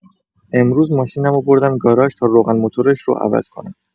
امروز ماشینمو بردم گاراژ تا روغن موتورش رو عوض کنم.